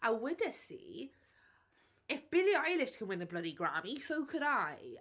A wedais i "If Billie Eilish can win a bloody Grammy, so could I."